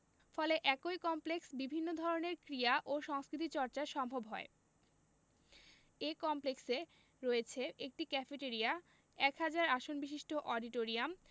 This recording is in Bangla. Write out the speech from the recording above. ফলে একই কমপ্লেক্সে বিভিন্ন ধরনের ক্রীড়া ও সংস্কৃতি চর্চা সম্ভব হয় এ কমপ্লেক্সে রয়েছে একটি ক্যাফেটরিয়া এক হাজার আসনবিশিষ্ট অডিটোরিয়াম